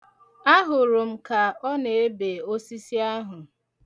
Ahụrụ m ka ọ na-ebe osisi ahụ.